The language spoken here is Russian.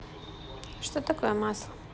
что такое масло